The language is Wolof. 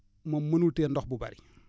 moom mënul téye ndox bu bëri